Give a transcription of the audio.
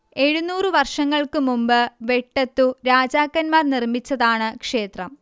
എഴുന്നൂറ് വർഷങ്ങൾക്കു മുമ്പ് വെട്ടത്തു രാജാക്കൻമാർ നിർമ്മിച്ചതാണ് ക്ഷേത്രം